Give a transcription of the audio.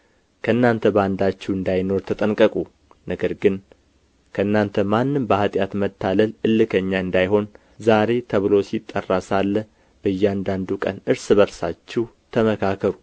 ከእናንተ በአንዳችሁ እንዳይኖር ተጠንቀቁ ነገር ግን ከእናንተ ማንም በኃጢአት መታለል እልከኛ እንዳይሆን ዛሬ ተብሎ ሲጠራ ሳለ በእያንዳንዱ ቀን እርስ በርሳችሁ ተመካከሩ